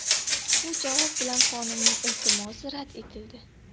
bu javob bilan xonimning iltimosi rad etildi